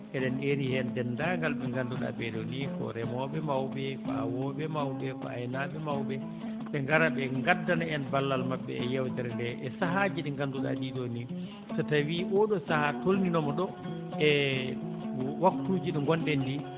eɗen eeri heen denndaangal ɓe ngannduɗaa ɓee ɗoo nii ko remooɓe mawɓe ko awooɓe mawɓe ko aynaaɓe mawɓe ɓe ngarat ɓe nganddana en ballal maɓɓe e yeewtere ndee e sahaaji ɗi ngannduɗaa ɗii ɗoo nii so tawii oo ɗoo sahaa tolninooma ɗo e waktuuji ɗi ngonɗen ɗii